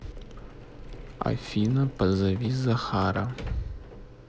афина позови захара